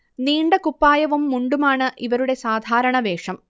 നീണ്ട കുപ്പായവും മുണ്ടുമാണ് ഇവരുടെ സാധാരണ വേഷം